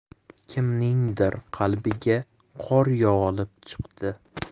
kimningdir qalbiga qor yog'ilib chiqdi